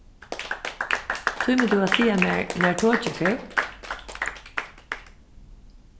tímir tú at siga mær nær tokið fer